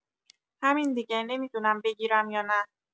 همین دیگه نمی‌دونم بگیرم یا نه